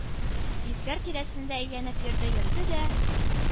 Йөкләр тирәсендә әйләнеп йөрде-йөрде дә